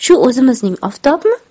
shu o'zimizning oftobmi